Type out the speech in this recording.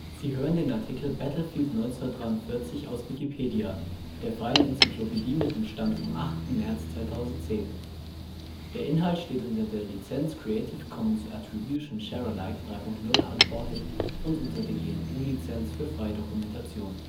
Sie hören den Artikel Battlefield 1943, aus Wikipedia, der freien Enzyklopädie. Mit dem Stand vom Der Inhalt steht unter der Lizenz Creative Commons Attribution Share Alike 3 Punkt 0 Unported und unter der GNU Lizenz für freie Dokumentation